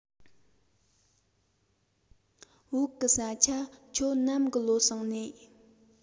བོད གི ས ཆ ཁྱོད ནམ གི ལོ སོང ནིས